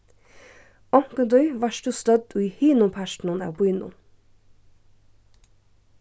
onkuntíð vart tú stødd í hinum partinum av býnum